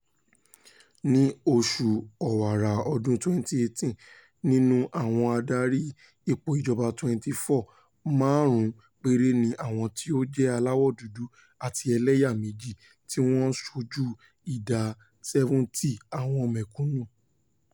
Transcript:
Ní oṣù Ọ̀wàrà ọdún 2018, nínú àwọn adarí ipò ìjọba 24, márùn-ún péré ni àwọn tí ó jẹ́ aláwọ̀ dúdú àti elẹ́yà-méjì, tí wọ́n ń ṣojú ìdá 70 àwọn mẹ̀kúnù.